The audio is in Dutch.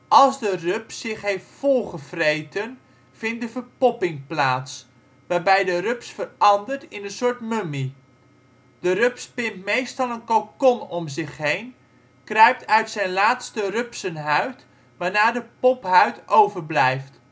Als de rups zich heeft volgevreten vindt de verpopping plaats, waarbij de rups verandert in een soort ' mummie '. De rups spint meestal een cocon om zich heen, kruipt uit zijn laatste rupsenhuid waarna de pophuid overblijft